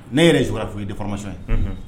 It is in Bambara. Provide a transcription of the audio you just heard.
Ne yɛrɛ sura f ye de fɔlɔsɔn ye